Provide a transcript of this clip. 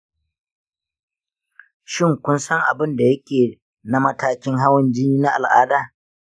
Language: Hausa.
shin, kun san abin da yake na matakin hawan jini na al'ada?